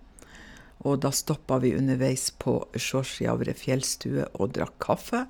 Og da stoppa vi underveis på Suossjavri fjellstue og drakk kaffe.